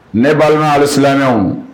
Ne balima hali silamɛɲɔgɔnw